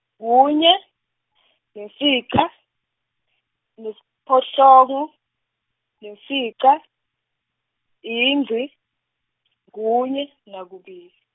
kunye yimfica nesiphohlongo, yimfica Ingci kunye nakubili.